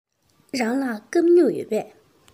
རང ལ སྐམ སྨྱུག ཡོད པས